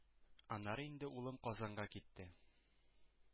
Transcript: Аннары инде улым Казанга китте.